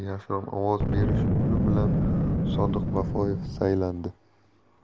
yashirin ovoz berish yo'li bilan sodiq safoyev saylandi